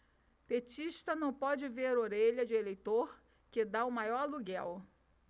petista não pode ver orelha de eleitor que tá o maior aluguel